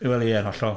Wel ie, yn hollol.